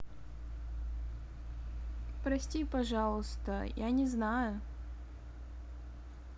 ну прости пожалуйста я не знаю